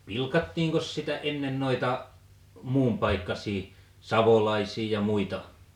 pilkattiinkos sitä ennen noita muunpaikkaisia savolaisia ja muita